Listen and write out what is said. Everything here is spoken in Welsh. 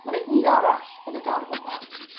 Ma' 'na un arall yn y darn yma.